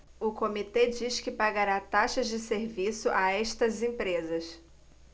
o comitê diz que pagará taxas de serviço a estas empresas